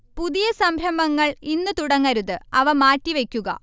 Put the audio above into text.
പുതിയ സംരംഭങ്ങൾ ഇന്ന് തുടങ്ങരുത് അവ മാറ്റിവയ്ക്കുക